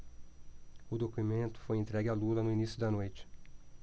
o documento foi entregue a lula no início da noite